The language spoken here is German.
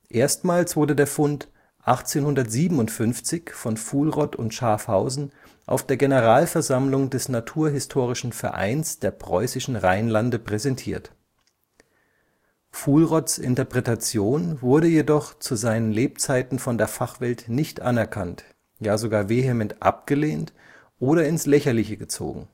Erstmals wurde der Fund 1857 von Fuhlrott und Schaaffhausen auf der Generalversammlung des Naturhistorischen Vereins der preußischen Rheinlande präsentiert. Fuhlrotts Interpretation wurde jedoch zu seinen Lebzeiten von der Fachwelt nicht anerkannt, ja sogar vehement abgelehnt oder ins Lächerliche gezogen